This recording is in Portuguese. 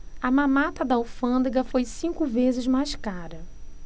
a mamata da alfândega foi cinco vezes mais cara